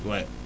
oui